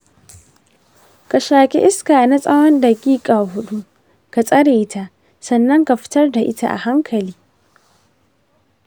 ka shaƙi iska na tsawon daƙiƙa huɗu, ka tsare ta, sannan ka fitar da ita a hankali.